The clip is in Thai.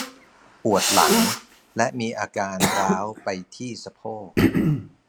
ปวดหลังและมีอาการร้าวไปที่สะโพก